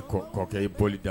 Kɔrɔkɛ e i boli